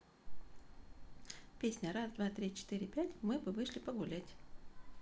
песня раз два три четыре пять мы бы вышли погулять